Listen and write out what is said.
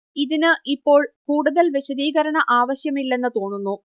ഇതിന് ഇപ്പോൾ കൂടുതൽ വിശദീകരണ ആവശ്യമില്ലെന്ന് തോന്നുന്നു